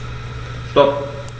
Stop.